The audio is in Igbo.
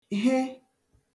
he